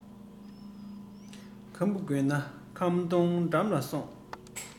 དུག ཤིང སྡོང པོས ཁམ བུ སྟེར མདོག མེད